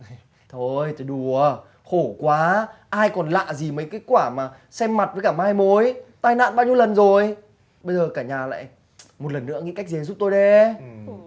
thôi thì đùa khổ quá ai còn lạ gì mấy kết quả mà xem mặt với cả mai mối tai nạn bao nhiêu lần rồi bây giờ cả nhà lại một lần nữa nghĩ cách gì giúp tôi đê